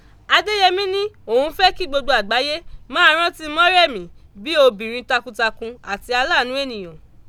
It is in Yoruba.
Adéyemí ní òun fẹ́ kí gbogbo àgbáyé máa rántí Mórẹ̀mí bí i obìnrin takuntakun àti aláànú ènìyàn.